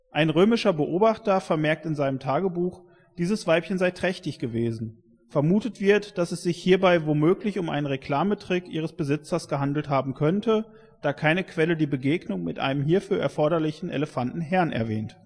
Ein römische Beobachter vermerkt in seinem Tagebuch, dieses Weibchen sei trächtig gewesen; vermutet wird, dass es sich hierbei womöglich um einen Reklametrick ihres Besitzers gehandelt haben könnte, da keine Quelle die Begegnung mit einem hierfür erforderlichen Elefantenherrn erwähnt